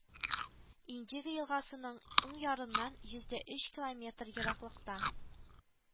Индига елгасының уң ярыннан йөз дә өч километр ераклыкта